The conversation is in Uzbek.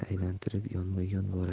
aylantirib yonma yon borar